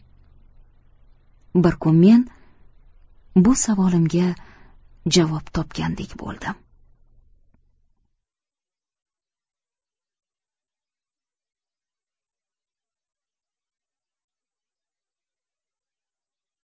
bir kun men bu savolimga javob topgandek bo'ldim